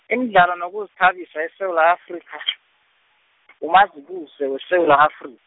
imidlalo nokuzithabisa eSewula Afrika, uMazibuse weSewula Afri-.